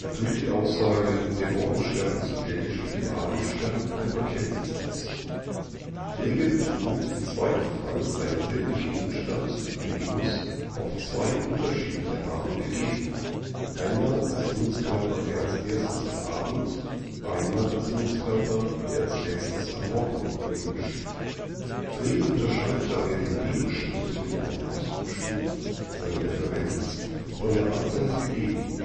drückt die Aussage „ Morgenstern = Abendstern “eine Erkenntnis aus. Frege betont, im zweiten Fall sei derselbe Gegenstand (Venus) auf zwei unterschiedliche Arten „ gegeben “(einmal als Himmelskörper, der als erstes am Abend, einmal als Himmelskörper, der als letztes am Morgen am Himmel steht). Frege unterscheidet daher den Gegenstand, für den ein Ausdruck steht (seine Referenz), von der Art seines „ Gegebenseins